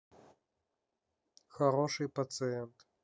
хороший пациент